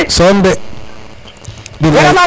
som de bilay